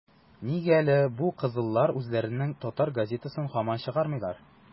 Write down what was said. - нигә әле бу кызыллар үзләренең татар газетасын һаман чыгармыйлар?